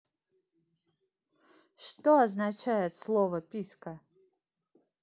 что означает слово писька